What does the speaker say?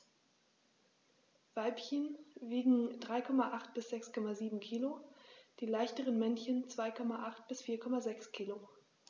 Weibchen wiegen 3,8 bis 6,7 kg, die leichteren Männchen 2,8 bis 4,6 kg.